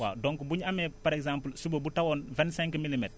waaw donc bu ñu amee par exemple suba bu tawoon vingt cinq milimètres